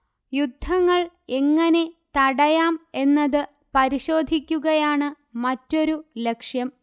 യുദ്ധങ്ങൾ എങ്ങനെ തടയാം എന്നത് പരിശോധിക്കുകയാണ് മറ്റൊരു ലക്ഷ്യം